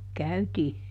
käytiin